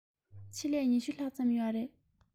ཆེད ལས ༢༠ ལྷག ཙམ ཡོད རེད